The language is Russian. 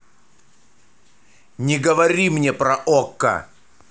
не говори мне про okko